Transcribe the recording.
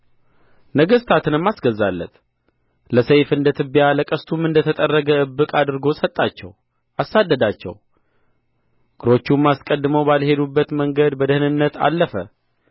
ነገሥታትንም አስገዛለት ለሰይፉ እንደ ትቢያ ለቀስቱም እንደ ተጠረገ እብቅ አድርጎ ሰጣቸው አሳደዳቸው እግሮቹም አስቀድመው ባልሄዱባት መንገድ በደኅነት አለፈ